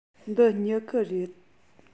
འདི སྨྱུ གུ རེད